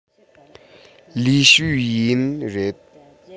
ལིའི ཞའོ ཡན རེད